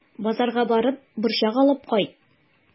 Базарга барып, борчак алып кайт.